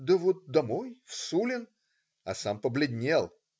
- Да вот домой, в Сулин,- а сам побледнел.